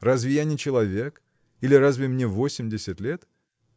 разве я не человек, или разве мне восемьдесят лет?